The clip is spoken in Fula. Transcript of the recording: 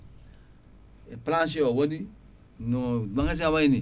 plancher o woni no magasin o wayni